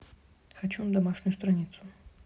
хочу на домашнюю страницу